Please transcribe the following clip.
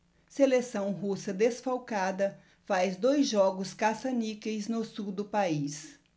seleção russa desfalcada faz dois jogos caça-níqueis no sul do país